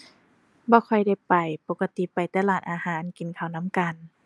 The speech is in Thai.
บ่ค่อยได้ไป ปกติไปแต่ร้านอาหารกินข้าวนำกัน